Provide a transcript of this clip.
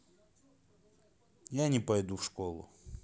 я не пойду в школу